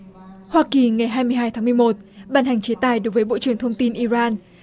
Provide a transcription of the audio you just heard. hoa kỳ ngày hai mươi hai tháng mười một ban hành chế tài đối với bộ trưởng thông tin i ran